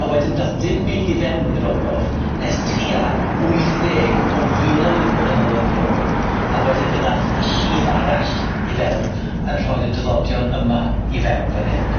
A wedyn dath dim byd i fewn i'r ogof nes tua wyth deg o filoedd o flynyddoedd yn ôl a wedyn fe ddath y llif arall i fewn yn rhoid y dyddodion yma i fewn fan hyn.